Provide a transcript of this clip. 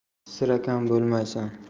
sira kam bo'lmaysan